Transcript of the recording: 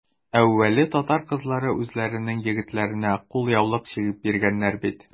Әүвәле татар кызлары үзләренең егетләренә кулъяулык чигеп биргәннәр бит.